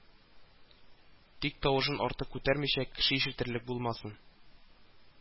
Тик тавышын артык күтәрмичә, кеше ишетерлек булмасын